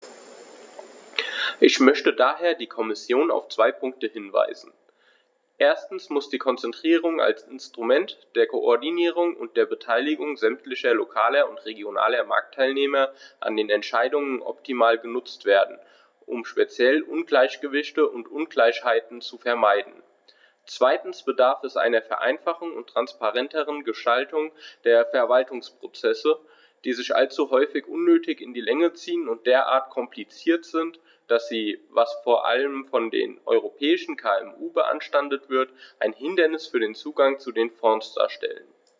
Ich möchte daher die Kommission auf zwei Punkte hinweisen: Erstens muss die Konzertierung als Instrument der Koordinierung und der Beteiligung sämtlicher lokaler und regionaler Marktteilnehmer an den Entscheidungen optimal genutzt werden, um speziell Ungleichgewichte und Ungleichheiten zu vermeiden; zweitens bedarf es einer Vereinfachung und transparenteren Gestaltung der Verwaltungsprozesse, die sich allzu häufig unnötig in die Länge ziehen und derart kompliziert sind, dass sie, was vor allem von den europäischen KMU beanstandet wird, ein Hindernis für den Zugang zu den Fonds darstellen.